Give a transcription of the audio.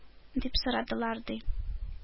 Дип сорадылар, ди.